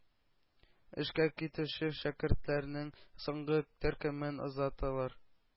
Эшкә китүче шәкертләрнең соңгы төркемен озаталар.